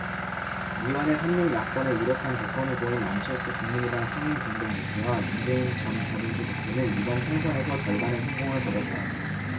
미완의 삼룡 야권의 유력한 대권후보인 안철수 국민의당 상임공동대표와 문재인 전 더민주 대표는 이번 총선에서 절반의 성공을 거뒀다